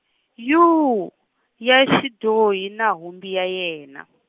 yuu, ya xidyohi na humbi ya yena.